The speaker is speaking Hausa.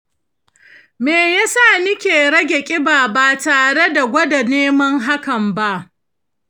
me yasa nike rage ƙiba ba tare da gwada neman hakan ba?